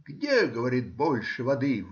Где, говорит, больше воды